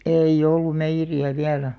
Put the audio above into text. ei ollut meijeriä vielä